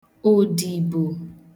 òdìbò